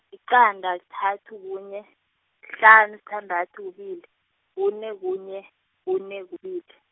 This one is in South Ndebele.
yiqanda, kuthathu, kunye, sihlanu, sithandathu, kubili, kune, kunye, kune, kubi- .